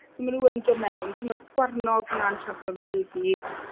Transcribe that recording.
so ma' nw yn do' mewn. So ma'r ysgwarnog fyna yn chaso milgi.